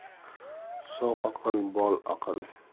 sog' aql bol aql